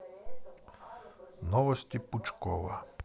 новости пучкова